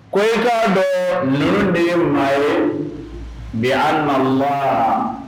Koka bɛ ninnu den maa ye bi'a na